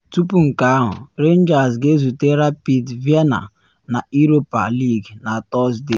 Tupu nke ahụ, Rangers ga-ezute Rapid Vienna na Europa League na Tọsde.